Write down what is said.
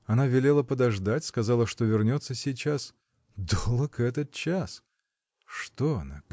Она велела подождать, сказала, что вернется сейчас: долог этот час!. Что она?